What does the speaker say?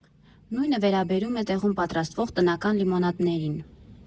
Նույնը վերաբերում է տեղում պատրաստվող տնական լիմոնադներին։